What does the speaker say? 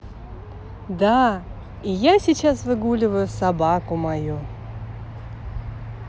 да и я сейчас выгуливаю собаку мою